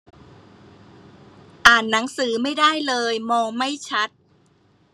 อ่านหนังสือไม่ได้เลยมองไม่ชัด